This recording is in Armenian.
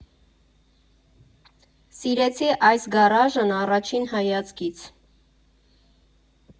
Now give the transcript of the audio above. Սիրեցի այս գարաժն առաջին հայացքից»։